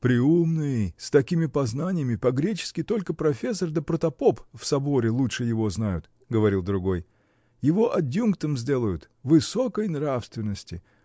— Преумный, с какими познаниями: по-гречески только профессор да протопоп в соборе лучше его знают! — говорил другой. — Его адъюнктом сделают. — Высокой нравственности!